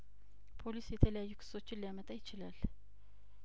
ፖሊስ የተለያዩ ክሶችን ሊያመጣ ይችላል